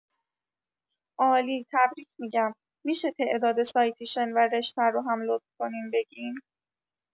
عالی، تبریک می‌گم می‌شه تعداد سایتیشن و رشته رو هم لطف کنین بگین؟